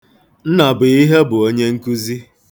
Nnabụihe bụ onye nkụzi.